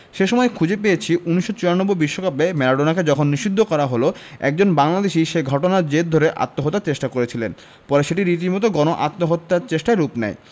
সে সময় খুঁজে পেয়েছি ১৯৯৪ বিশ্বকাপে ম্যারাডোনাকে যখন নিষিদ্ধ করা হলো একজন বাংলাদেশি সে ঘটনার জের ধরে আত্মহত্যার চেষ্টা করেছিলেন পরে সেটি রীতিমতো গণ আত্মহত্যার চেষ্টায় রূপ নেয়